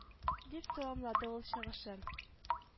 Дип тәмамлады ул чыгышын